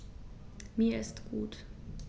Mir ist gut.